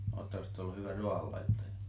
olettekos te ollut hyvä ruoanlaittaja